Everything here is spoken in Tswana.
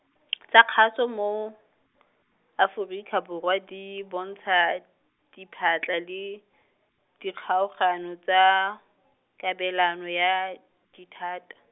tsa kgaso mo, Aforika Borwa di bontsha, diphatla le, dikgaogano tsa, kabelano ya dithata.